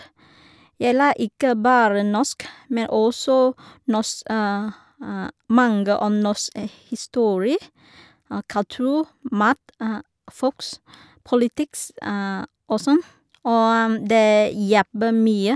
Jeg lærer ikke bare norsk, men også nors mange om norsk historie, kultur, mat, folk, politikk og sånn, og det hjelper mye.